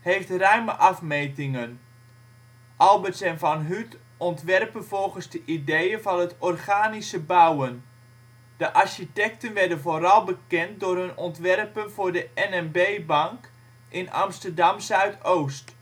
heeft ruime afmetingen. Alberts & Van Huut ontwerpen volgens de ideeën van het organische bouwen. De architecten werden vooral bekend door hun ontwerpen voor de NMB-bank in Amsterdam Zuidoost